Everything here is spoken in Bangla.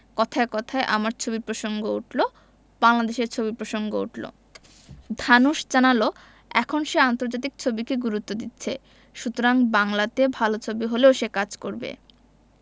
কথায় কথায় আমার ছবির প্রসঙ্গ উঠলো বাংলাদেশের ছবির প্রসঙ্গ উঠলো ধানুশ জানালো এখন সে আন্তর্জাতিক ছবিকে গুরুত্ব দিচ্ছে সুতরাং বাংলাতে ভালো ছবি হলেও সে কাজ করবে